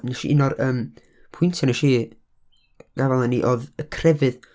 wnes i, un o'r, yym, pwyntiau wnes i gafael yn'i oedd y crefydd.